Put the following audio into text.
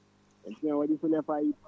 émission o waɗi fulla e fayida